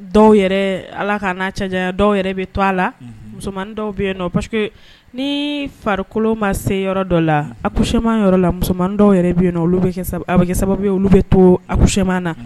Dɔw yɛrɛ ala ka'a cɛ dɔw yɛrɛ bɛ to a la musoman dɔw bɛ yen que ni farikolo ma se yɔrɔ dɔ la asɛman yɔrɔ la musoman dɔw bɛ yen olu a kɛ sababu olu bɛ to asɛman na